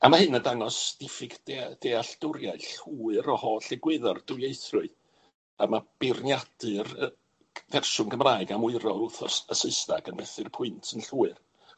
A ma' hyn yn dangos diffyg de- dealltwriaeth llwyr o holl egwyddor dwyieithrwydd, a ma' beirniadu'r yy fersiwn Gymraeg am wyro wrth y S- y Saesnag yn methu'r pwynt yn llwyr.